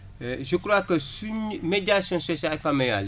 je crois que suñu médiations sociales et familiales yi